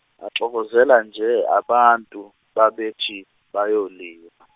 baxokozela nje abantu babethi bayolima.